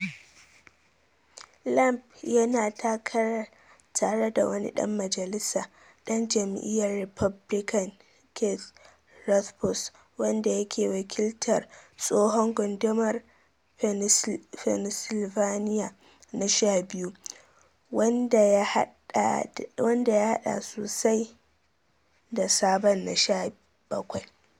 Lamb yana takarar tare da wani Ɗan Majalisa, Ɗan jam’iyar Republican Keith Rothfus, wanda ke wakiltar tsohon Gundumar Pennsylvania na 12, wanda ya haɗda sosai da sabon na 17.